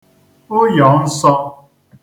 ụyọ̀ nsọ̄